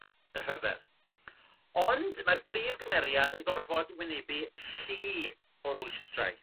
y rhyfel ond mae'r prif gymeriad yn gorfod wynebu llu o rwysdrau.